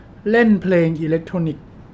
เล่นเพลงอิเลกโทรนิค